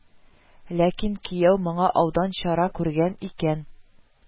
Ләкин кияү моңа алдан чара күргән икән: